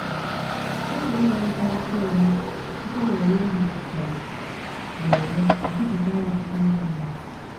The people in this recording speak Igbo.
Otu onye na-anata akụkọ ụgha site n'ọwa ozi dijitalụ, loo ya ma kesakwara ya ọtụtụ ndị mmadụ.